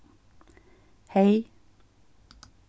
hey